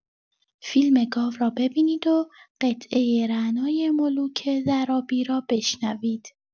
فیلم گاو را ببینید و قطعه رعنای ملوک ضرابی را بشنوید.